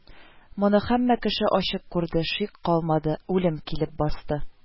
Моны һәммә кеше ачык күрде, шик калмады, үлем килеп басты